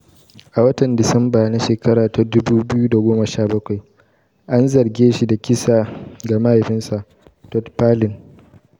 A watan Disamba na shekara ta 2017, an zarge shi da kisa ga mahaifinsa, Todd Palin.